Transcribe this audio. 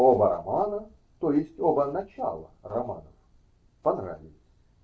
Оба романа, т.е. оба начала романов, понравились.